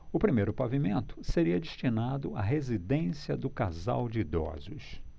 o primeiro pavimento seria destinado à residência do casal de idosos